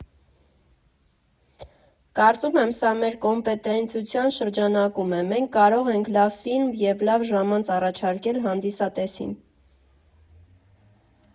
Կարծում եմ, սա մեր կոմպետենտության շրջանակում է, մենք կարող ենք լավ ֆիլմ և լավ ժամանց առաջարկել հանդիսատեսին։